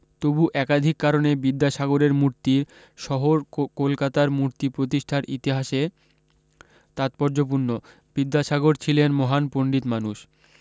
তবু একাধিক কারণে বিদ্যাসাগরের মূর্তি শহর কলকাতার মূর্তি প্রতিষ্ঠার ইতিহাসে তাৎপর্যপূর্ণ বিদ্যাসাগর ছিলেন মহান পন্ডিত মানুষ